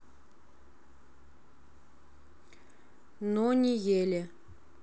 но не еле